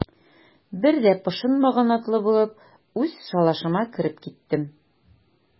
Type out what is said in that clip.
Бер дә пошынмаган атлы булып, үз шалашыма кереп киттем.